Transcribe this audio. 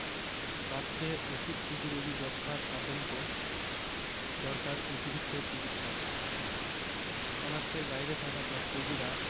বাড়ছে ওষুধ প্রতিরোগী যক্ষ্মার আতঙ্ক দরকার অতিরিক্ত চিকিৎসা শনাক্তের বাইরে থাকা যক্ষ্মা রোগীরা